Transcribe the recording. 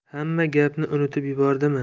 hamma gapni unutib yubordimi